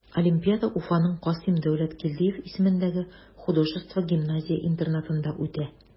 Олимпиада Уфаның Касыйм Дәүләткилдиев исемендәге художество гимназия-интернатында үтә.